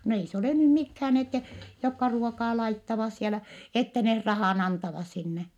no ei se ole nyt mikään että jotka ruokaa laittavat siellä että ne rahan antavat sinne